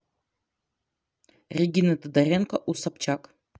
регина тодоренко у собчак